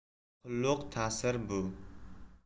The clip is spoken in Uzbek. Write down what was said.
qulluq taqsir bu